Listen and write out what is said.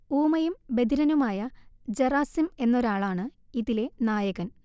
ഊമയും ബധിരനുമായ ജറാസിം എന്നൊരാളാണ് ഇതിലെ നായകൻ